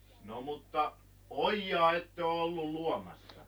no mutta ojaa ette ole ollut luomassa